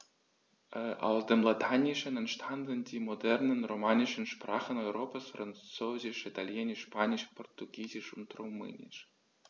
Aus dem Lateinischen entstanden die modernen „romanischen“ Sprachen Europas: Französisch, Italienisch, Spanisch, Portugiesisch und Rumänisch.